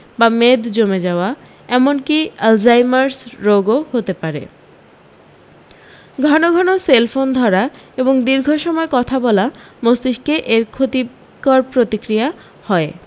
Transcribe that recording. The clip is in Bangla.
বা মেদ জমে যাওয়া এমন কী আলজাইমার্স রোগও হতে পারে ঘন ঘন সেলফোন ধরা এবং দীর্ঘ সময় কথা বলা মস্তিষ্কে এর ক্ষতিকর প্রতিক্রিয়া হয়